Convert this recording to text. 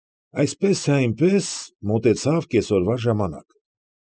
Այսպես թե այնպես, մոտեցավ կեսօրվա ժամանակը։